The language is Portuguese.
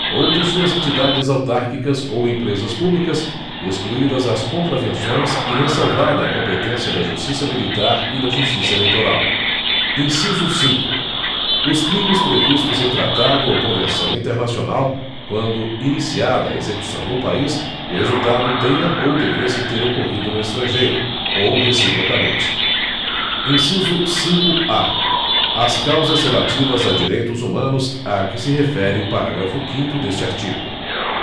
ou de suas entidades autárquicas ou empresas públicas excluídas as contravenções e ressalvada a competência da justiça militar e da justiça eleitoral inciso cinco os crimes previstos em tratado ou convenção internacional quando iniciada a execução no país o resultado tenha ou devesse ter ocorrido no estrangeiro ou reciprocamente inciso cinco a as causas relativas a direitos humanos a que se refere o parágrafo quinto deste artigo